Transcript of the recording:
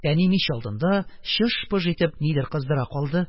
Әни мич алдында, чыж-пыж итеп, нидер кыздыра калды,